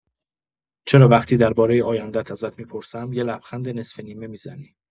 چرا وقتی درباره آینده‌ات ازت می‌پرسم، یه لبخند نصفه‌نیمه می‌زنی؟